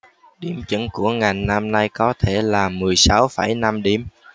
điểm chuẩn của ngành năm nay có thể là mười sáu phẩy năm điểm